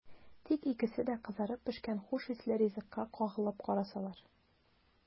Тик икесе дә кызарып пешкән хуш исле ризыкка кагылып карасалар!